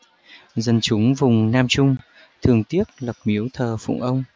dân chúng vùng nam trung thương tiếc lập miếu thờ phụng ông